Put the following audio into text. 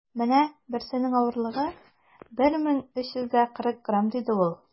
- менә берсенең авырлыгы 1340 грамм, - диде ул.